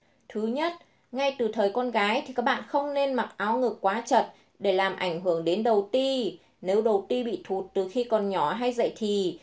ngay từ thời con gái thì các bạn không nên mặc áo ngực quá chật để làm ảnh hưởng đến đầu ti nếu đầu ti bị thụt từ khi còn nhỏ hay dậy thì